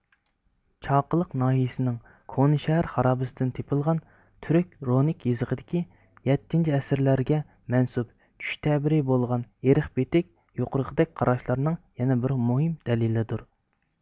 چاقىلىق ناھىيىسىنىڭ كونا شەھەر خارابىسىدىن تېپىلغان تۈرك رونىك يېزىقىدىكى يەتتىنچى ئەسىرلەرگە مەنسۇپ چۈش تەبىرى بولغان ئىرىق بىتىگ يۇقىرىقىدەك قاراشلارنىڭ يەنە بىر مۇھىم دەلىلىدۇر